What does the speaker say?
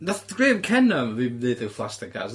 Nath Graham Kenner ddim neud y fflaster cast.